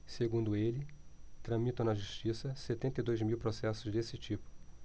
segundo ele tramitam na justiça setenta e dois mil processos desse tipo